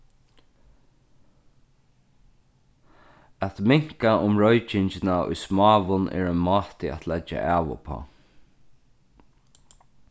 at minka um roykingina í smáum er ein máti at leggja av uppá